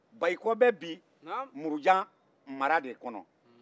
bayikɔ bɛ bi muruja mara de kɔnɔ